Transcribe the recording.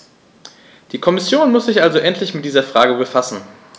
Die Kommission muss sich also endlich mit dieser Frage befassen.